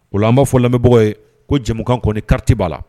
O an'a fɔlen bɛbagaw ye ko jamukan kɔni kariti b'a la